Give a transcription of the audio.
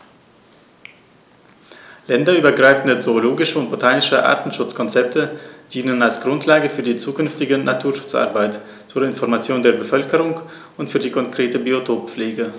Länderübergreifende zoologische und botanische Artenschutzkonzepte dienen als Grundlage für die zukünftige Naturschutzarbeit, zur Information der Bevölkerung und für die konkrete Biotoppflege.